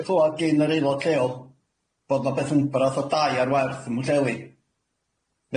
dwi'n clywad gin yr aelod lleol bod ma' Bethanbarath o dae ar werth ym Mwllheli.